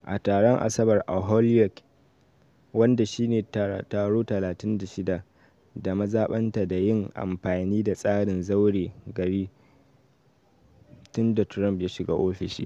A taron ranar Asabar a Holyoke wanda shi ne taro 36 da mazabanta da yin amfani da tsarin zaure gari tun da Trump ya shiga ofishi.